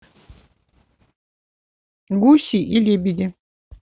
гуси и лебеди